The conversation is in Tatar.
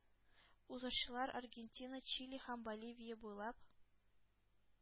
Узышчылар Аргентина, Чили һәм Боливия буйлап